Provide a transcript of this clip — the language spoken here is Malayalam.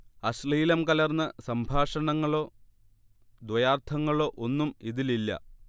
അശ്ലീലം കലർന്ന സംഭാഷങ്ങളോ ദ്വയാർത്ഥങ്ങളോ ഒന്നും ഇതിലില്ല